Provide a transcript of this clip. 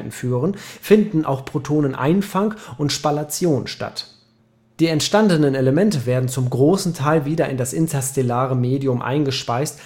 führen, finden auch Protoneneinfang und Spallation statt. Die entstandenen Elemente werden zum großen Teil wieder in das interstellare Medium eingespeist